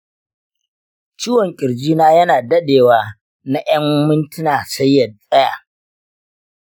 ciwon ƙirji na yana dade wa na ƴan mintina sai ya tsaya.